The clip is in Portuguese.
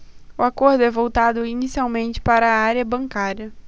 o acordo é voltado inicialmente para a área bancária